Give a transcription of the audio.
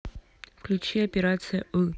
включи операция ы